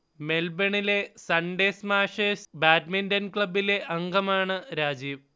മെൽബണിലെ Sunday Smashers badminton ക്ലബിലെ അംഗമാണ് രാജീവ്